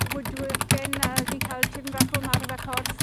Woodworking a ni'n ca'l tipyn bach o ymarfer corff.